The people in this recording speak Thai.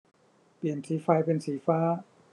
เปลี่ยนสีไฟเป็นสีฟ้า